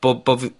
bo' bo' fi,